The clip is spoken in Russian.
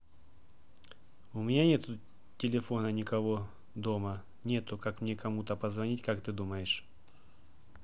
у меня нету телефона никого дома нету как мне кому то позвонить как ты думаешь